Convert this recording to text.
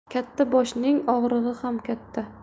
katta boshning og'rig'i ham katta